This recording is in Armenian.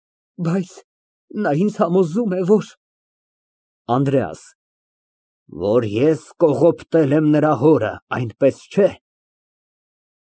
Բայց նա ինձ համոզում է, որ… ԱՆԴՐԵԱՍ ֊ Որ ես կողոպտել եմ նրա հորը, այնպես չէ՞։